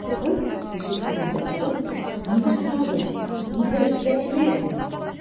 Кыз, ишек төбендә торып, нидер сорады, нидер эзләгәндәй булды.